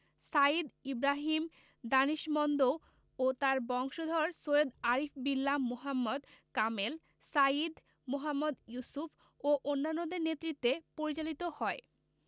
সাইয়্যিদ ইবরাহিম দানিশমন্দ ও তাঁর বংশধর সৈয়দ আরিফ বিল্লাহ মুহাম্মদ কামেল সাইয়্যিদ মুহম্মদ ইউসুফ ও অন্যান্যদের নেতৃত্বে পরিচালিত হয়